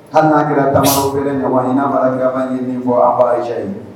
Hali n'a kɛra taama wɛrɛ ɲɔgɔn ɲin naba ye nin fɔ anz ye